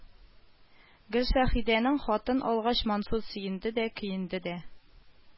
Гөлшәһидәнең хатын алгач, Мансур сөенде дә, көенде дә